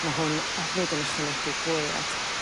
Ma' hwn efyd yn ychwanegu gwead.